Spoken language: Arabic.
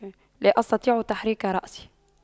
لا أستطيع تحريك رأسي